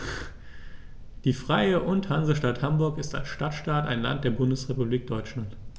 Die Freie und Hansestadt Hamburg ist als Stadtstaat ein Land der Bundesrepublik Deutschland.